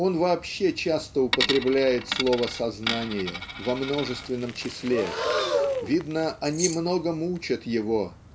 Он вообще часто употребляет слово "сознание" -- во множественном числе видно они много мучат его